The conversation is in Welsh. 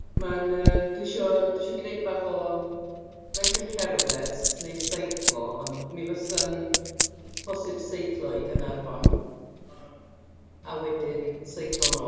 Mae'n yy... dwi isio- dwi isio gwneud bach o naill a'i cerdded neu seiclo, ond mi fysa'n bosib seiclo i Gaernarfon a wedyn seiclo nôl.